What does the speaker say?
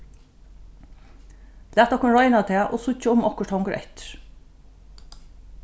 latið okkum royna tað og síggja um okkurt hongur eftir